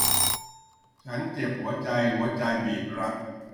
ฉันเจ็บหัวใจหัวใจบีบรัด